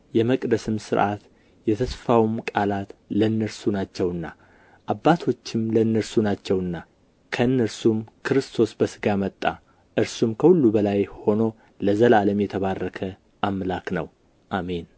የመቅደስም ሥርዓት የተስፋውም ቃላት ለእነርሱ ናቸውና አባቶችም ለእነርሱ ናቸውና ከእነርሱም ክርስቶስ በሥጋ መጣ እርሱም ከሁሉ በላይ ሆኖ ለዘላለም የተባረከ አምላክ ነው አሜን